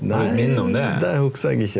nei det hugsar eg ikkje.